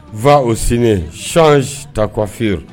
Fa o sini san takɔfiye